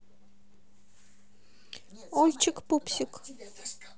ольчик пупсик